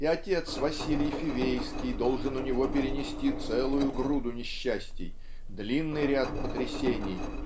И отец Василий Фивейский должен у него перенести целую груду несчастий длинный ряд потрясений